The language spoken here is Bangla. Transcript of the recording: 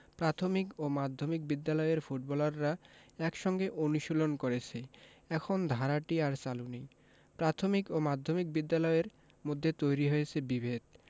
প্রাথমিক ও মাধ্যমিক বিদ্যালয়ের ফুটবলাররা একসঙ্গে অনুশীলন করেছে এখন ধারাটি আর চালু নেই প্রাথমিক ও মাধ্যমিক বিদ্যালয়ের মধ্যে তৈরি হয়েছে বিভেদ